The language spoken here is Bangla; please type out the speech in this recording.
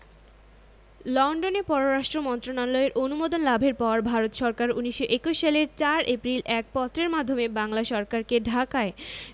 লন্ডনে পররাষ্ট্র মন্ত্রণালয়ের অনুমোদন লাভের পর ভারত সরকার ১৯২১ সালের ৪ এপ্রিল এক পত্রের মাধ্যমে বাংলা সরকারকে ঢাকায়